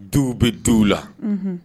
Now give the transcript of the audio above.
Du be du la